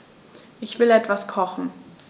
Ich will etwas kochen.